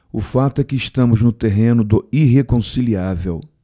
o fato é que estamos no terreno do irreconciliável